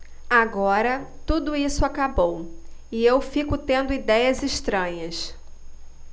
agora tudo isso acabou e eu fico tendo idéias estranhas